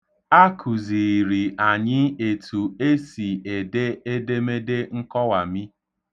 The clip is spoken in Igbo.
A kụziiri anyị etu e si ede edemede nkọwami.